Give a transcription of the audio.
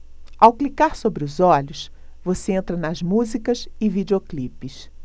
ao clicar sobre os olhos você entra nas músicas e videoclipes